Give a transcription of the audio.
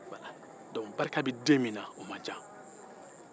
dɔnku barika bɛ den min na man ca